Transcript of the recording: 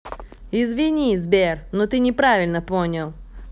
извини сбер ну ты неправильно понял